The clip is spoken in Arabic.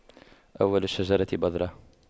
أول الشجرة بذرة